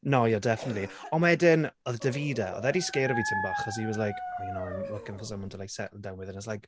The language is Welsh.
No ie, definitely. Ond wedyn oedd Davide oedd e 'di sgerio fi tipyn bach, achos he was like, "oh you know I'm looking for someone to like settle down with" and it's like ...